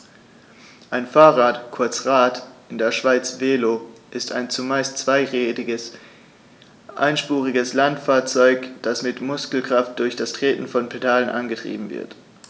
Ein Fahrrad, kurz Rad, in der Schweiz Velo, ist ein zumeist zweirädriges einspuriges Landfahrzeug, das mit Muskelkraft durch das Treten von Pedalen angetrieben wird.